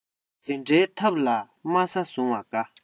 དེ འདྲའི ཐབས ལ དམའ ས བཟུང བ དགའ